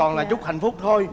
còn là chúc hạnh phúc thôi